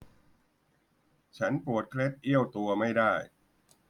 ฉันปวดเคล็ดเอี้ยวตัวไม่ได้